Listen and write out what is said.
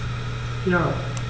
Ja.